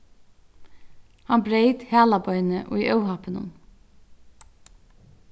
hann breyt halabeinið í óhappinum